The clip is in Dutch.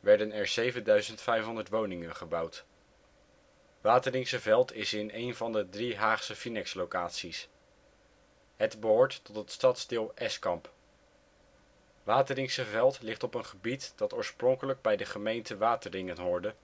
werden er 7500 woningen gebouwd. Wateringse Veld is in een van de drie Haagse Vinex-locaties. Het behoort tot het stadsdeel Escamp. Wateringse Veld ligt op een gebied dat oorspronkelijk bij de gemeente Wateringen hoorde